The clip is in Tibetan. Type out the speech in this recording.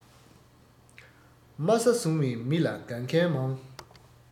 དམའ ས བཟུང བའི མི ལ དགའ མཁན མང